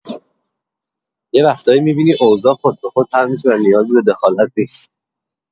یه وقتایی می‌بینی اوضاع خود به خود حل می‌شه و نیازی به دخالت نیست.